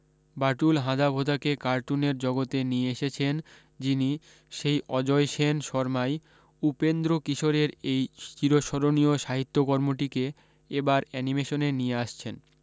বাঁটুল হাঁদাভোঁদাকে কার্টুনের জগতে নিয়ে এসেছেন যিনি সেই অজয় সেন শরমাই উপেন্দ্রকিশোরের এই চিরস্মরণীয় সাহিত্যকর্মটিকে এ বার অ্যানিমেশনে নিয়ে আসছেন